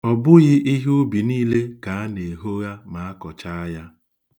Ọ bụghị ihe ubi niile ka a na-ehogha ma a kọchaa ya.